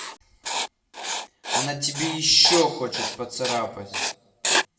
она тебе еще хочет поцарапать